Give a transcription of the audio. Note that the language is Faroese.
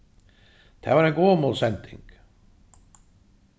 tað var ein gomul sending